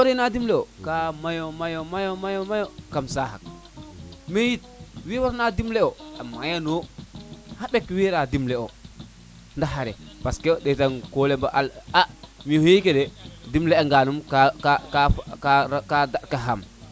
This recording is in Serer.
we warena dimle o ka mayo mayo mayo kam sax le mais yit we warna dimlo o mayano xaɗek wera dim le o ndax xare parce o ɗeta ngan ko lemo al wo feke de dim le anga num ka ka ka ka daɗ ka xam